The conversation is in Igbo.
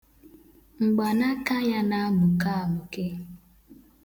Mgbanaaka ya na-amụke amụke.